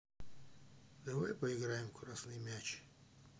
давай поиграем в красный мяч